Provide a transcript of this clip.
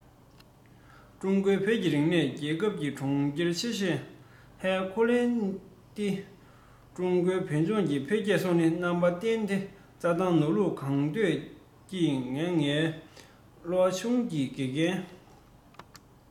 ཀྲུང གོའི བོད ཀྱི རིག གནས རྒྱལ ཁབ ཀྱི གྲོང ཁྱེར ཆེ ཤོས ཨའོ ཁོ ལན ཏི ཀྲུང གོའི བོད ལྗོངས ཀྱི འཕེལ རྒྱས སོགས ཀྱི རྣམ པ བསྟན ཏེ རྩ ཐང ནོར ལུག གང འདོད སྐྱིད ང ངའི སློབ ཆུང གི དགེ རྒན